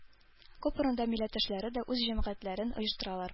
Күп урында милләттәшләр үз җәмгыятьләрен оештыралар